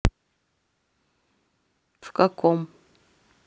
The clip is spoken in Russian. в каком